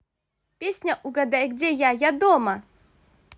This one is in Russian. песня угадай где я я дома